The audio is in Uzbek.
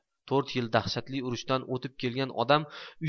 to'rt yillik dahshatli urushdan o'tib kelgan odam esa